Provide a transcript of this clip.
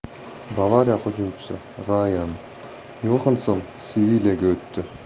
bavariya hujumchisi rayan yohansson sevilya ga o'tdi